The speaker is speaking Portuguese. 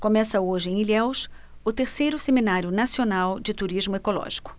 começa hoje em ilhéus o terceiro seminário nacional de turismo ecológico